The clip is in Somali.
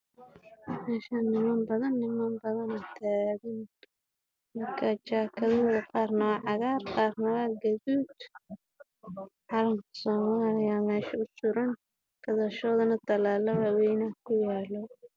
Waa meel ay taagan yihiin niman badan